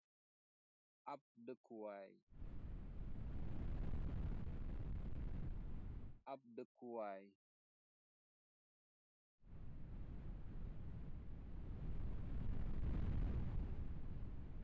Ap dekuwai ap dekuwai.